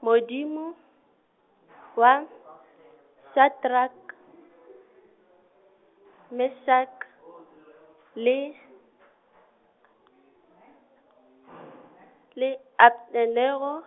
Modimo , wa , Shadrack , Meshack, le , le Abednego,